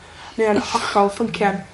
mae o'n hollol ffyncian.